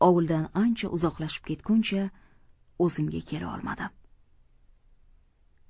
ovuldan ancha uzoqlashib ketguncha o'zimga kela olmadim